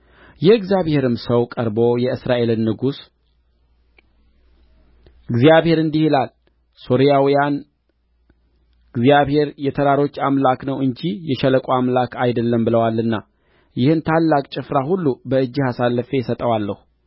የእግዚአብሔርም ሰው ቀርቦ የእስራኤልን ንጉሥ እግዚአብሔር እንዲህ ይላል ሶርያውያን እግዚአብሔር የተራሮች አምላክ ነው እንጂ የሸለቆ አምላክ አይደለም ብለዋልና ይህን ታላቅ ጭፍራ ሁሉ በእጅህ አሳልፌ እሰጠዋለሁ